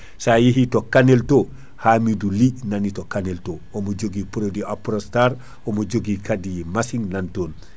sa yeehi to Kanel to Hamidou Ly nanito Kanel to omo jogui produit Aprostar omo joogui kaadi machine nanton